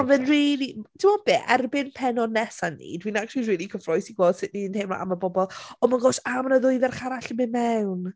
Ma' fe'n rili... tibod be erbyn pennod nesaf ni dwi'n acshyli rili cyffroes i gweld sut ni'n teimlo am y bobl. Oh my gosh a mae 'na ddwy ferch arall i mynd mewn.